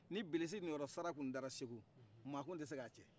ni bilisi niyɔrɔ sara tun dara segu maa tun tɛ se k'a cɛ